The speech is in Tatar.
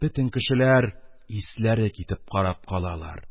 Бөтен кешеләр исләре китеп карап калалар.